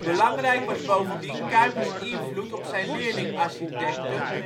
Belangrijk was bovendien Cuypers ' invloed op zijn leerling-architecten,